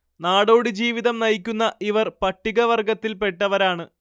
നാടോടി ജീവിതം നയിക്കുന്ന ഇവർ പട്ടിക വർഗത്തിൽ പെട്ടവരാണ്